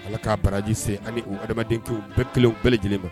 Ala k ka barajise ani adamadamaden bɛɛ kelen bɛɛ lajɛlen